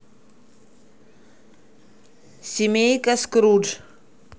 семейка скрудж